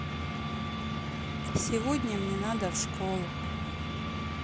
сегодня мне надо в школу